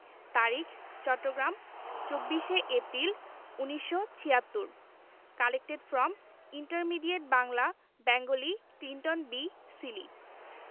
তারিখ চট্টগ্রাম ২৪শে April ১৯৭৬ collected from intermediate Bangla Bengali Clinton B Seely